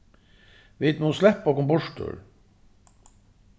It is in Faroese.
vit mugu sleppa okkum burtur